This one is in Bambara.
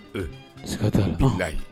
Ɛɛ siga taa don'a ye